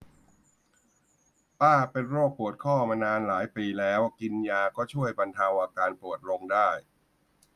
ป้าเป็นโรคปวดข้อมานานหลายปีแล้วกินยาก็ช่วยบรรเทาอาการปวดลงได้